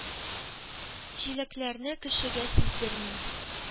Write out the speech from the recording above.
Җиләклекләрне кешегә сиздерми.